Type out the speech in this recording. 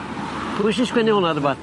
Pwy sy 'di sgwennu hwnna dwbad?